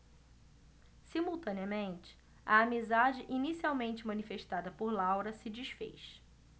simultaneamente a amizade inicialmente manifestada por laura se disfez